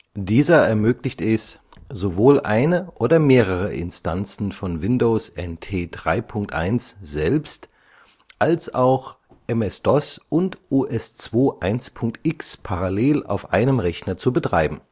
Dieser ermöglicht es, sowohl eine oder mehrere Instanzen von Windows NT 3.1 selbst als auch MS-DOS und OS/2 1.x parallel auf einem Rechner zu betreiben